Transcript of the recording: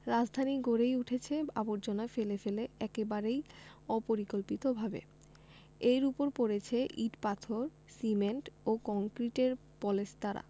রাজধানী গড়েই উঠেছে আবর্জনা ফেলে ফেলে একেবারেই অপরিকল্পিতভাবে এর ওপর পড়েছে ইট পাথর সিমেন্ট ও কংক্রিটের পলেস্তারা